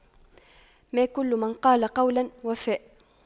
ما كل من قال قولا وفى